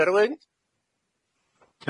Berwyn.